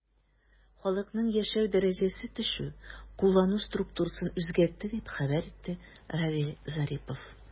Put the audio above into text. Халыкның яшәү дәрәҗәсе төшү куллану структурасын үзгәртте, дип хәбәр итте Равиль Зарипов.